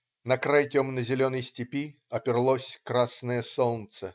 " На край темно-зеленой степи оперлось красное солнце.